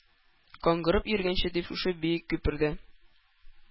Каңгырып йөргәнче дип шушы биек күпердә